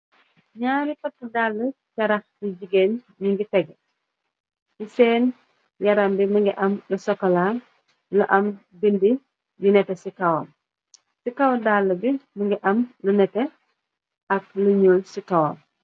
ñaari pat dall carax bi jigéen ñu ngi tegu ni seen yaram bi mëngi am lu sokolah lu am bindi yu nete ci kawam ci kawa dall bi mëngi am lu nete ak lu ñul ci kawam